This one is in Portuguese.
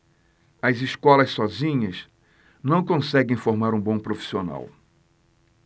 as escolas sozinhas não conseguem formar um bom profissional